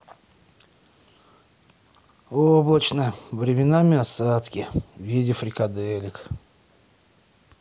облачно временами осадки в виде фрикаделек